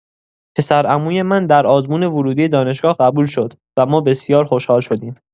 پسرعموی من در آزمون ورودی دانشگاه قبول شد و ما بسیار خوشحال شدیم.